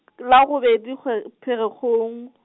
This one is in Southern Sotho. la bobedi, kgwe, Pherekgong.